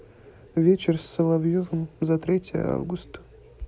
вечер с соловьевым за третье августа